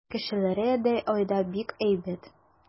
Кешеләре дә анда бик әйбәт.